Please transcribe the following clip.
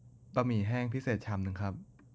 บะหมี่แห้งพิเศษชามนึงครับ